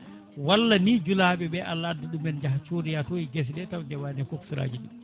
walla ni julaɓeɓe Allah addana ɗum jaaha coodaya to e guese ɗe tawa dewani e coxeur aji ɗi